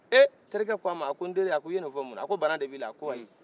he terik'o ma a ko n teri a k'i ye nin fo muna a ko baana de b'ila wa